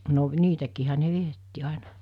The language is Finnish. no niitäkin ne vietti aina